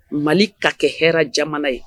Mali ka kɛ hɛrɛɛ jamana ye